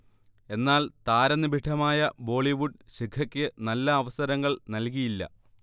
എന്നാൽ, താരനിബിഢമായ ബോളിവുഡ് ശിഖയ്ക്ക് നല്ല അവസരങ്ങൾ നൽകിയില്ല